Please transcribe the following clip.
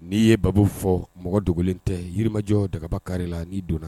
N'i ye baa fɔ mɔgɔ dogolen tɛ yiriirimajɔ dagaba kari la'i donna